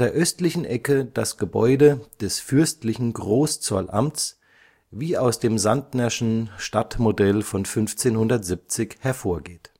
östlichen Ecke das Gebäude des fürstlichen Großzollamts, wie aus dem Sandtnerschen Stadtmodell von 1570 hervorgeht